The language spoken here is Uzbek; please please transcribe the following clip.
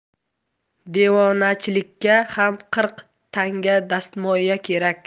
devonachilikka ham qirq tanga dastmoya kerak